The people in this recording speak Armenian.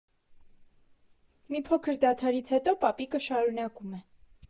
Մի փոքր դադարից հետո, պապիկը շարունակում է.